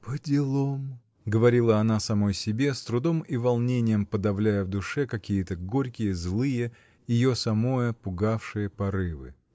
"Поделом!", -- говорила она самой себе, с трудом и волнением подавляя в душе какие-то горькие, злые, ее самое пугавшие порывы.